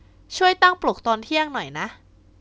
ช่วยตั้งปลุกตอนเที่ยงหน่อยนะ